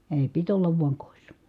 ei piti olla vain kodissa